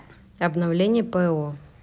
обновление по